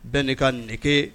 Bɛɛ ni ka neke.